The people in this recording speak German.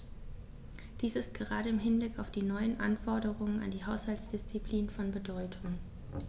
Dies ist gerade im Hinblick auf die neuen Anforderungen an die Haushaltsdisziplin von Bedeutung.